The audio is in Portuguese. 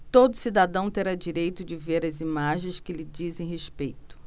todo cidadão terá direito de ver as imagens que lhe dizem respeito